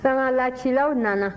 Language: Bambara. sangalacilaw nana